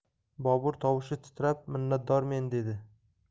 bobur tovushi titrab minnatdormen dedi